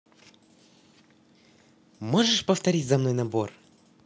можешь повторить за мной набор